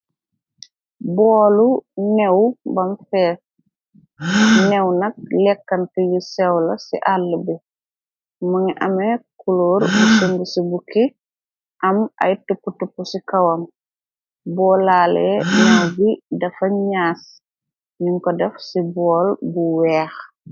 Boolu new bam fees new nak lekkante yu sewla ci àlla bi më ngi ame kuloor bu sumb ci bukki am ay tupp tup ci kawam boolaale new bi dafa ñaas niñ ko def ci bool bu weex.